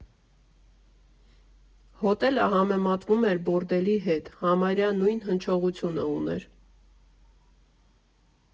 Հոթելը համեմատվում էր բորդելի հետ՝ համարյա նույն հնչողությունը ուներ։